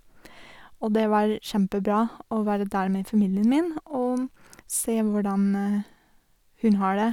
Og det var kjempebra å være der med familien min og se hvordan hun har det.